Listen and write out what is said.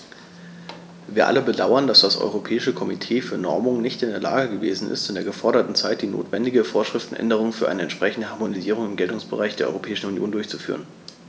Wir alle bedauern, dass das Europäische Komitee für Normung nicht in der Lage gewesen ist, in der geforderten Zeit die notwendige Vorschriftenänderung für eine entsprechende Harmonisierung im Geltungsbereich der Europäischen Union durchzuführen.